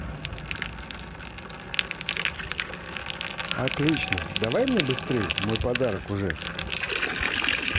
отлично давай мне быстрей мой подарок уже